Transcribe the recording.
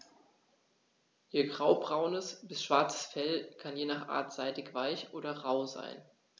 Ihr graubraunes bis schwarzes Fell kann je nach Art seidig-weich oder rau sein.